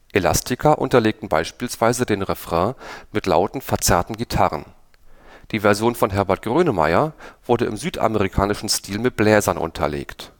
Elastica unterlegten beispielsweise den Refrain mit lauten, verzerrten Gitarren. Die Version von Herbert Grönemeyer wurde im südamerikanischen Stil mit Bläsern unterlegt